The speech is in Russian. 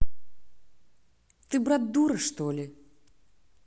ты брат дура что ли